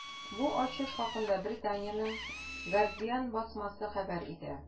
Бу ачыш хакында Британиянең “Гардиан” басмасы хәбәр итә.